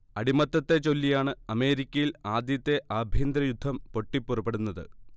അടിമത്തത്തെച്ചൊല്ലിയാണ് അമേരിക്കയിൽ ആദ്യത്തെ ആഭ്യന്തര യുദ്ധം പൊട്ടിപ്പുറപ്പെടുന്നത്